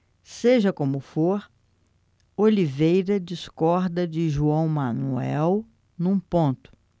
seja como for oliveira discorda de joão manuel num ponto